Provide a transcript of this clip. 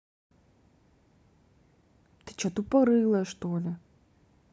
ты че тупорылая что ли